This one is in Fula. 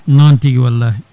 noon tigui wallahi